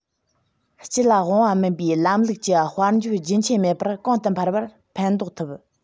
སྤྱི ལ དབང བ མིན པའི ལམ ལུགས ཀྱི དཔལ འབྱོར རྒྱུན ཆད མེད པར གོང དུ འཕེལ བར ཕན འདོགས ཐུབ